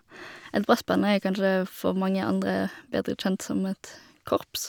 Et brassband er kanskje for mange andre bedre kjent som et korps.